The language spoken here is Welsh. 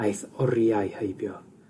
Aeth oriau heibio.